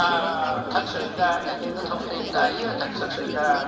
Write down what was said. à thật sự ra là những thông tin đấy thực sự